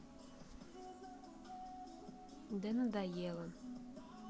да надоело